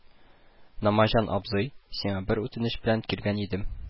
– намаҗан абзый, сиңа бер үтенеч белән килгән идем